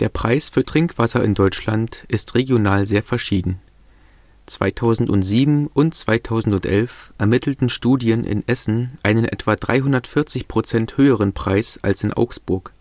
Preis für Trinkwasser in Deutschland ist regional sehr verschieden. 2007 und 2011 ermittelten Studien in Essen einen etwa 340 % höheren Preis als in Augsburg